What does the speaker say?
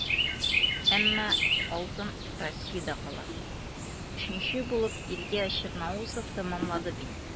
Әмма алтын Россиядә кала - өченче булып Илья Черноусов тәмамлады бит.